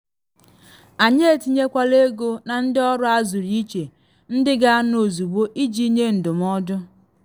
Anyị etinyekwala ego na ndị ọrụ azụrụ iche ndị ga-anọ ozugbo iji nye ndụmọdụ.